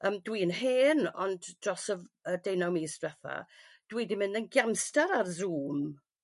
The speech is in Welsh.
Yym dwi'n hen ond dros yy y deunaw mis dwetha dw i 'di mynd yn giamstar ar Zoom.